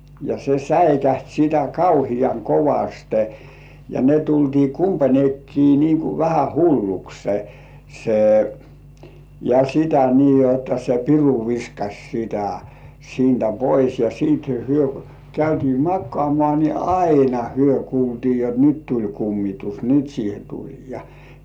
ja se säikähti sitä kauhean kovasti ja ne tultiin kumpainenkin niin kuin vähän hulluksi se ja sitä niin jotta se piru viskasi sitä siitä pois ja sitten he käytiin makaamaan niin aina he kuultiin jotta nyt tuli kummitus nyt siihen tuli ja